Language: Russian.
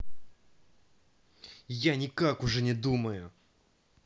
я никак уже не думаю